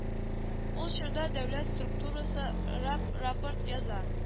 Ул чорда дәүләт структурасы рап рапорт яза